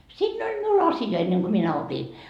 siinä oli minulla asia ennen kuin minä opin